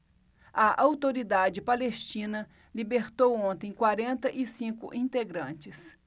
a autoridade palestina libertou ontem quarenta e cinco integrantes